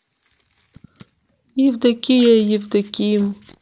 евдокия и евдоким